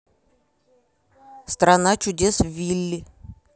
страна чудес вилли